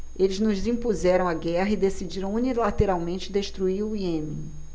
eles nos impuseram a guerra e decidiram unilateralmente destruir o iêmen